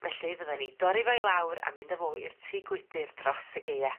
felly fydd rai' ni dorri fo i lawr a mynd â fo i'r tŷ gwydyr dros y Gaea.